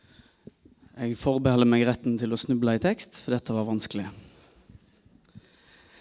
jeg forbeholder meg retten til å snuble i tekst for dette var vanskelig.